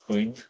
Wŷn?